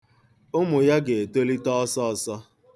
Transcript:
Ụmụ ya ga-etolite ọsọọsọ.